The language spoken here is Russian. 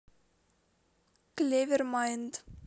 клевер майнд